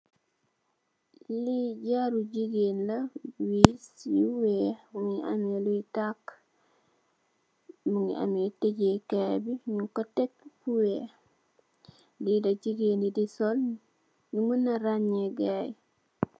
Lii jaaru gigain la wiss yu wekh mungy ameh lui taaku, mungy ameh tehjeh kaii bii njung kor tek fu wekh, lii la gigain yii di sol nju munah raanjeh gaii.